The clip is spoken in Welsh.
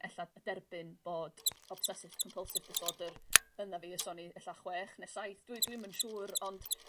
ella d- derbyn bod obsessive compulsive disorder yna fi so o'n i'n ella chwech ne' saith dwi dwi'm yn siŵr ond